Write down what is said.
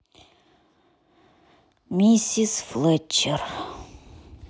миссис флетчер